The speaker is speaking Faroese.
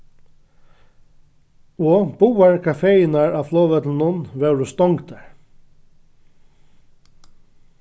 og báðar kafeirnar á flogvøllinum vóru stongdar